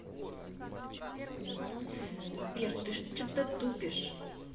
сбер ты что то тупишь